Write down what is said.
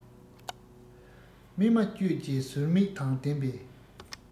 སྨིན མ བསྐྱོད བཅས ཟུར མིག དང ལྡན པས